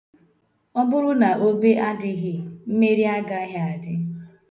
Ọ bụrụ na obe adịghị, mmeri agaghị adị.